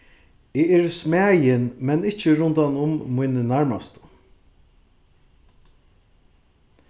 eg eri smæðin men ikki rundan um míni nærmastu